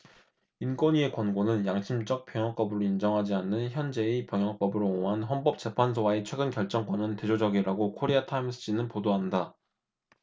인권위의 권고는 양심적 병역 거부를 인정하지 않는 현재의 병역법을 옹호한 헌법 재판소의 최근 결정과는 대조적이라고 코리아 타임스 지는 보도한다